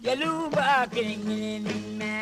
Jeliw ba'a kelenkelennin mɛn